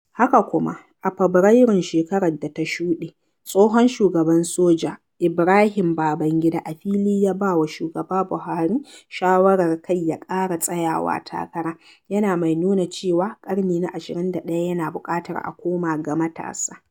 Haka kuma, a Fabarairun shekarar da ta shuɗe, tsohon shugaban soja, Ibrahim Babangida a fili ya ba wa shugaba Buhari shawarar kar ya ƙara tsayawa takara, yana mai nuna cewa ƙarni na 21 yana buƙatar a koma ga matasa.